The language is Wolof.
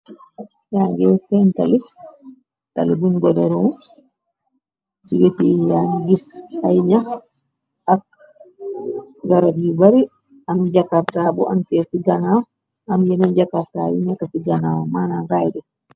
Yangi seen tali tali buñ goderu ci weti ya gis ay ñax. Ak garab yu bari am jakarta bu amte ci ganaaw. Am yena jakafta yi nekk ci ganaaw mana ngaayte.